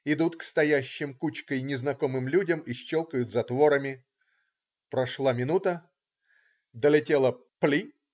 Идут к стоящим кучкой незнакомым людям и щелкают затворами. Прошла минута. Долетело: пли!.